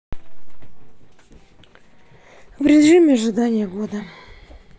в режиме ожидания годо